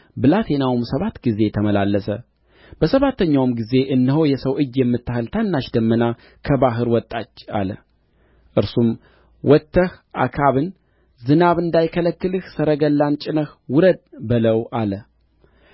ብላቴናውም ሰባት ጊዜ ተመላለሰ በሰባተኛውም ጊዜ እነሆ የሰው እጅ የምታህል ታናሽ ደመና ከባሕር ወጥች አለ እርሱም ወጥተህ አክዓብን ዝናብ እንዳይከለክልህ ሰረገላን ጭነህ ውረድ በለው አለ